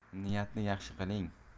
niyatni yaxshi qiling